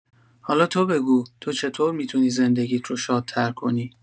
حالا تو بگو، تو چطور می‌تونی زندگیت رو شادتر کنی؟